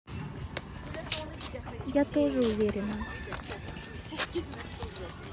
я тоже уверена